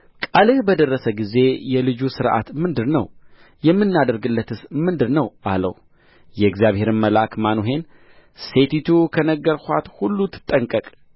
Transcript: ቃልህ በደረሰ ጊዜ የልጁ ሥርዓት ምንድር ነው የምናደርግለትስ ምንድር ነው አለው የእግዚአብሔርም መልአክ ማኑሄን ሴቲቱ ከነገርኋፅት ሁሉ ትጠንቀቅ